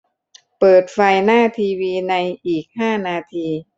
เปิดไฟหน้าทีวีในอีกห้านาที